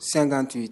Sankan tɛ yen